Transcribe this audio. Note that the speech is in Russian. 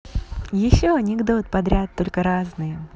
еще анекдот подряд только разные